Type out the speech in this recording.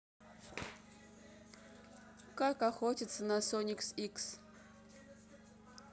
как охотиться на sonic x